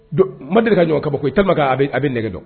Don ma deli ka ɲɔgɔn kaba bɔ i te a bɛ nɛgɛ dɔn